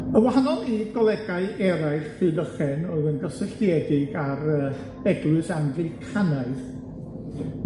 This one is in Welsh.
Yn wahanol i golegau eraill Rhydychen o'dd yn gysylltiedig â'r yy Eglwys Anglicanaidd,